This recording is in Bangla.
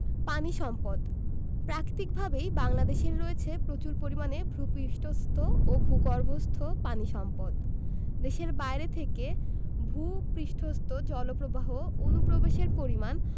পানি সম্পদঃ প্রাকৃতিকভাবেই বাংলাদেশের রয়েছে প্রচুর পরিমাণে ভূ পৃষ্ঠস্থ ও ভূগর্ভস্থ পানি সম্পদ দেশের বাইরে থেকে ভূ পৃষ্ঠস্থ জলপ্রবাহ অনুপ্রবেশের পরিমাণ